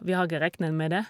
Vi har ikke regnet med det.